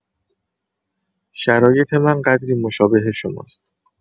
شرایط من قدری مشابه شماست.